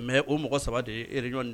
Mɛ o mɔgɔ saba de ere ɲɔgɔn